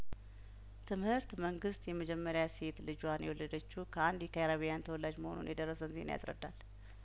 ትምህርት መንግስት የመጀመሪያሴት ልጇን የወለደችው ከአንድ የካሪቢያን ተወላጅ መሆኑን የደረሰን ዜና ያስረዳል